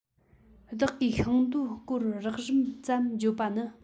བདག གིས ཤིང སྡོང སྐོར རགས རིམ ཙམ བརྗོད པ ནི